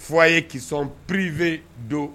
foyer qui son privé d'eau